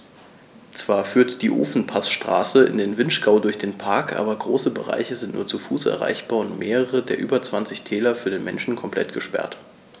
Zwar führt die Ofenpassstraße in den Vinschgau durch den Park, aber große Bereiche sind nur zu Fuß erreichbar und mehrere der über 20 Täler für den Menschen komplett gesperrt.